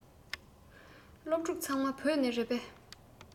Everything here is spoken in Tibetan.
སློབ ཕྲུག ཚང མ བོད ནས རེད པས